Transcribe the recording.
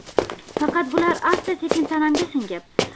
faqat bular asta sekin tanamga singib